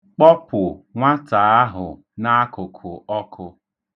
Kpọpụ nwata ahụ n'akụkụ ọkụ.